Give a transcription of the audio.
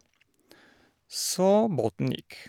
Så båten gikk.